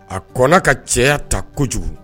A kɔnɔ ka cɛ ta kojugu